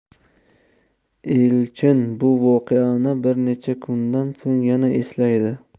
elchin bu voqeani bir necha kundan so'ng yana eslaydi